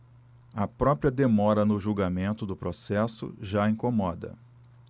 a própria demora no julgamento do processo já incomoda